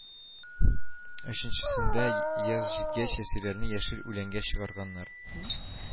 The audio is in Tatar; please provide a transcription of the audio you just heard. Өченчесендә яз җиткәч, әсирләрне яшел үләнгә чыгарганнар